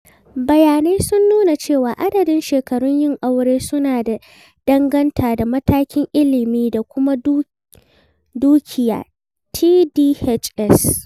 Bayanai sun nuna cewa adadin shekarun yin aure su na da danganta da matakin ilimi da kuma dukiya (TDHS).